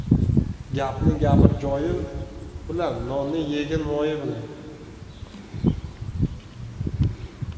gapni gapir joyi bilan nonni yegin moyi bilan